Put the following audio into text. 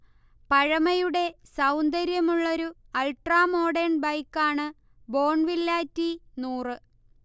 പഴമയുടെ സൗന്ദര്യമുള്ളൊരു അൾട്രാമോഡേൺ ബൈക്കാണ് ബോൺവില്ല ടി നൂറ്